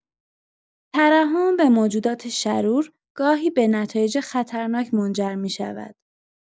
ترحم به موجودات شرور، گاهی به نتایج خطرناک منجر می‌شود.